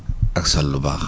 ak sol lu baax